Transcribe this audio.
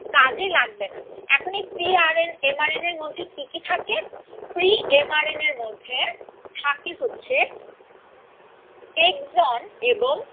কাজে লাগবে না এখন এই pre R N M R N এর মধ্যে কি কি থাকে প্রি এম আর এন এর মধ্যে থাকে হচ্ছে এক্সন এবং